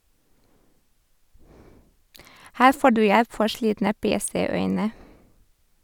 Her får du hjelp for slitne PC-øyne.